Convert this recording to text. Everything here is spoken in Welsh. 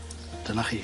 Dyna chi.